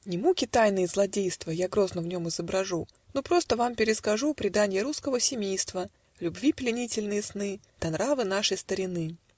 Не муки тайные злодейства Я грозно в нем изображу, Но просто вам перескажу Преданья русского семейства, Любви пленительные сны Да нравы нашей старины.